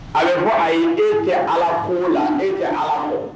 A fɔ ayi ee tɛ Ala koo la ee tɛ Ala kɔ